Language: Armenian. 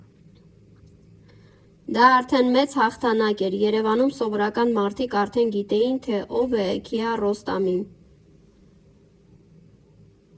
Դա արդեն մեծ հաղթանակ էր, Երևանում սովորական մարդիկ արդեն գիտեին, թե ով է Քիառոստամին։